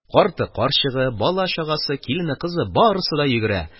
Карты-карчыгы, баласы-чагасы, килене-кызы – барысы да йөгерә.